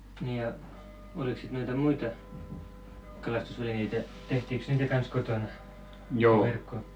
niin ja oliko sitten noita muita kalastusvälineitä tehtiinkös niitä kanssa kotona kuin verkkoa